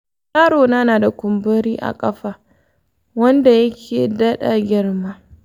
yarona na da kumburi a kafa wanda yake daɗa girma.